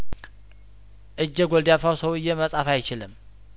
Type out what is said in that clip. እጀ ጐልዳፋው ሰውዬ መጻፍ አይችልም